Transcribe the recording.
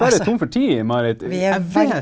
altså vi er.